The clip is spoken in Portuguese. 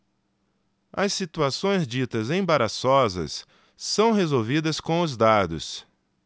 as situações ditas embaraçosas são resolvidas com os dados